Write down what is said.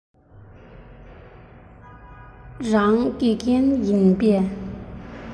རང དགེ རྒན ཡིན པས